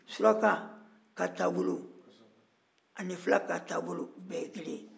suraka ka taabolo ani fila ka taabolo a bɛɛ ye kelen ye